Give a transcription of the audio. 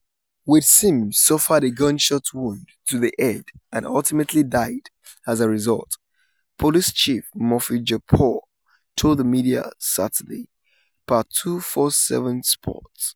"Wayde Sims suffered a gunshot wound to the head and ultimately died as a result," police chief Murphy J. Paul told the media Saturday, per 247sports.